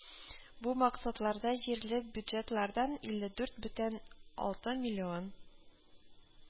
Бу максатларда җирле бюджетлардан илле дүрт бүтән алты миллион